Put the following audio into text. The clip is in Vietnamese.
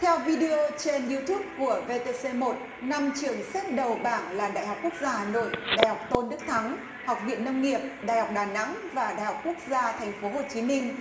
theo vi đi ô trên iu túp của vê tê xê một năm trường xếp đầu bảng là đại học quốc gia hà nội đại học tôn đức thắng học viện nông nghiệp đại học đà nẵng và đại học quốc gia thành phố hồ chí minh